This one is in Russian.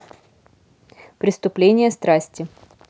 преступление страсти